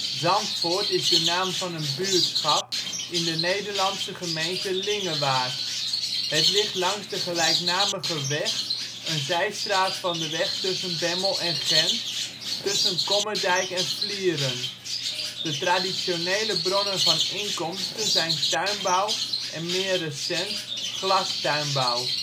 Zandvoort is de naam van een buurtschap in de Nederlandse gemeente Lingewaard. Het ligt langs de gelijknamige weg, een zijstraat van de weg tussen Bemmel en Gendt, tussen Kommerdijk en Flieren. De traditionele bronnen van inkomsten zijn tuinbouw en meer recent glastuinbouw